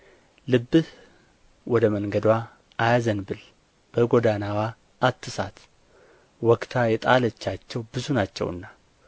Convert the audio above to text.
ልብህ ወደ መንገድዋ አያዘንብል በጎዳናዋ አትሳት ወግታ የጣለቻቸው ብዙ ናቸውና